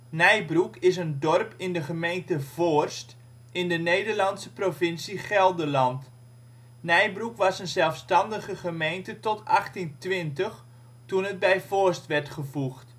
Nijbroek is een dorp in de gemeente Voorst in de Nederlandse provincie Gelderland. Nijbroek was een zelfstandige gemeente tot 1820, toen het bij Voorst werd gevoegd